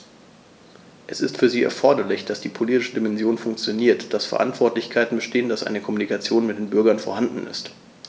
Es ist für sie erforderlich, dass die politische Dimension funktioniert, dass Verantwortlichkeiten bestehen, dass eine Kommunikation mit den Bürgern vorhanden ist.